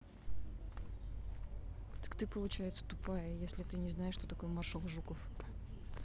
так ты получается тупая если ты не знаешь кто такой маршал жуков